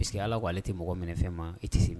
Puisque Ala ko ale tɛ mɔgɔ minɛ fɛn ma i tɛ se